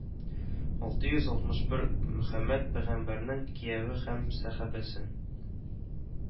Алты йөз алтмыш бер, мөхәммәд пәйгамбәрнең кияве һәм сәхабәсе